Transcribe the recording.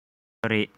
ཡོད རེད